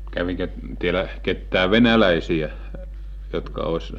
kävikö täällä ketään venäläisiä jotka olisi --